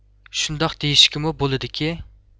شۇنداق دېيىشكە بولىدۇكى